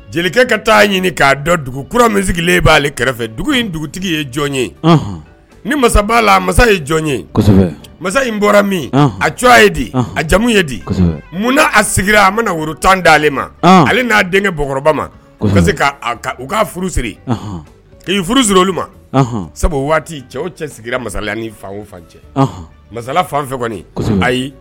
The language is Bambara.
Jelikɛ ka ɲini k'a dugu min sigilen b'aale kɛrɛfɛ in ye jɔn ye ni masa la masa ye jɔn ye masa in bɔra min a c ye di a jamu ye di munna a sigira a bɛna woro tan dalen ale ma ale n'a denkɛkɔrɔbama k' u ka furu siri k'i furu siri olu ma sabu waati cɛw o cɛ sigira masaya ni fan fan cɛ masala fan fɛ kɔni ayi